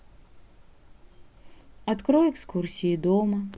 открой экскурсии дома